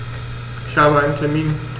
Ich habe einen Termin.